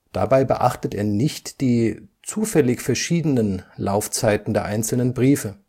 Dabei beachtet er nicht die (zufällig verschiedenen) Laufzeiten der einzelnen Briefe